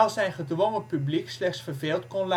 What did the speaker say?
zijn gedwongen publiek slechts verveeld kon